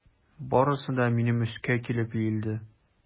Барысы да минем өскә килеп иелде.